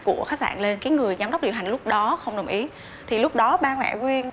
của khách sạn lên cái người giám đốc điều hành lúc đó không đồng ý thì lúc đó ba mẹ quyên